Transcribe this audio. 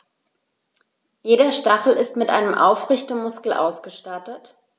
Jeder Stachel ist mit einem Aufrichtemuskel ausgestattet.